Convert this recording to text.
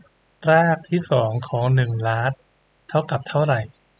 รากที่สองของหนึ่งล้านเท่ากับเท่าไหร่